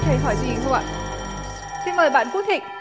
hỏi gì không ạ xin mời bạn phước thịnh